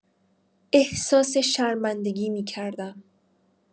احساس شرمندگی می‌کردم.